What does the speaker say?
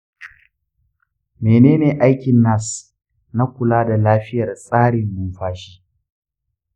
mene ne aikin nas na kula da lafiyar tsarin numfashi?